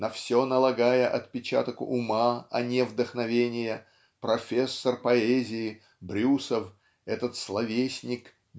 на все налагая отпечаток ума а не вдохновения профессор поэзии Брюсов этот словесник